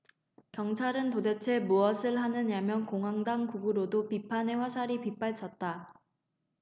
경찰은 도대체 무엇을 하느냐며 공안당국으로도 비판의 화살이 빗발쳤다